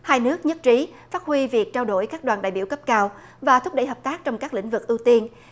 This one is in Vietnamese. hai nước nhất trí phát huy việc trao đổi các đoàn đại biểu cấp cao và thúc đẩy hợp tác trong các lĩnh vực ưu tiên